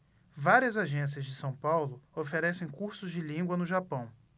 várias agências de são paulo oferecem cursos de língua no japão